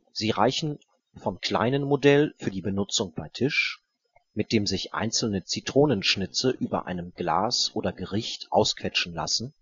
Sie reichen vom kleinen Modell für die Benutzung bei Tisch, mit dem sich einzelne Zitronenschnitze über einem Glas oder Gericht ausquetschen lassen